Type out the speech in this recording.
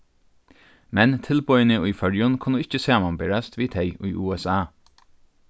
men tilboðini í føroyum kunnu ikki samanberast við tey í usa